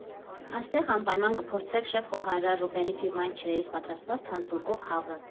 Այստեղ անպայման կփորձեք շեֆ֊խորհարար Ռուբենի ֆիրմային չրերից պատրաստված թանձրուկով հավը։